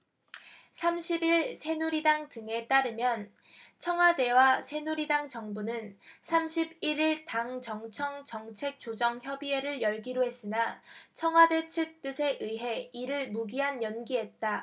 삼십 일 새누리당 등에 따르면 청와대와 새누리당 정부는 삼십 일 일 당정청 정책조정협의회를 열기로 했으나 청와대 측 뜻에 의해 이를 무기한 연기했다